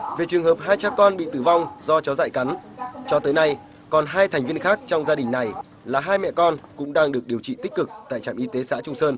về trường hợp hai cha con bị tử vong do chó dại cắn cho tới nay còn hai thành viên khác trong gia đình này là hai mẹ con cũng đang được điều trị tích cực tại trạm y tế xã trung sơn